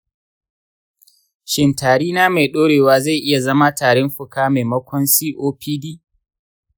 shin tari na mai ɗorewa zai iya zama tarin fuka maimakon copd?